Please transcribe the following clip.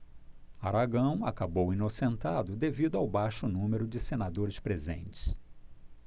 aragão acabou inocentado devido ao baixo número de senadores presentes